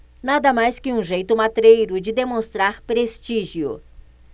nada mais que um jeito matreiro de demonstrar prestígio